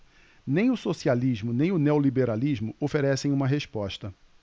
nem o socialismo nem o neoliberalismo oferecem uma resposta